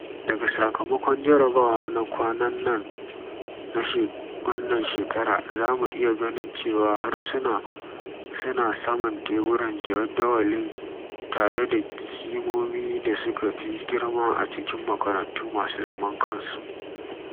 Daga sakamakon jarrabawa na kwanan nan na wannan shekara, za mu iya ganin cewa harsuna suna saman teburan jaddawali tare da kimomi da suka fi girma a cikin makarantu masu zaman kansu.